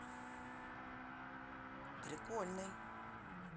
прикольный